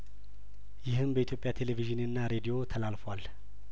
ይህም በኢትዮጵያ ቴሌቭዥንና ሬዲዮ ተላልፏል